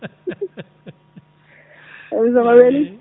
*